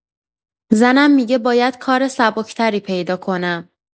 زنم می‌گه باید کار سبک‌تری پیدا کنم.